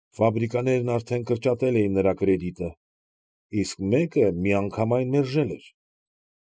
Ֆաբրիկաներն արդեն կրճատել էին նրա կրեդիտը, իսկ մեկը միանգամայն մերժել էր։